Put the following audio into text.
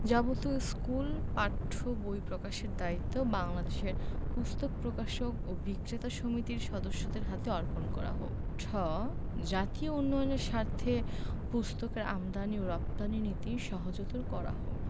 যাবতীয় স্কুল পাঠ্য বই প্রকাশের দায়িত্ব বাংলাদেশ পুস্তক প্রকাশক ও বিক্রেতা সমিতির সদস্যদের হাতে অর্পণ করা হোক ঠ জাতীয় উন্নয়নের স্বার্থে পুস্তকের আমদানী ও রপ্তানী নীতি সহজতর করা হোক